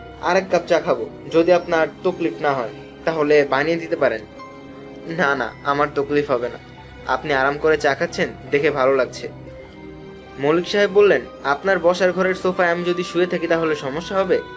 আরেক কাপ চা খাব যদি আপনার তকলিফ না হয় আমার তকলিফ হবে না আপনি আরাম করে করে চা খাচ্ছেন দেখে ভালো লাগছে মল্লিক বললেন আপনার বসার ঘরের সোফায় আমি যদি শুয়ে থাকি তাহলে সমস্যা হবে